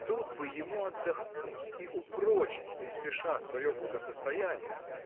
Тут бы ему отдохнуть и упрочить, не спеша, свое благосостояние